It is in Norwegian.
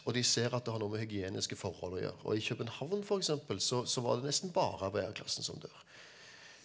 og de ser at det har noe med hygieniske forhold å gjøre og i København f.eks. så så var det nesten bare arbeiderklassen som dør.